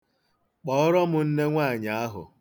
Kpọọrọ m nnenwaànyị̀ ahụ.